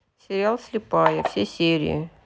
сериал слепая все серии